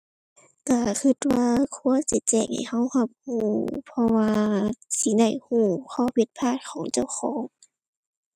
ก็ก็ว่าควรสิแจ้งให้ก็ก็ก็เพราะว่าสิได้ก็ข้อผิดพลาดของเจ้าของ